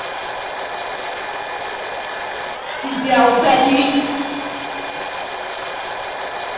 тебя удалить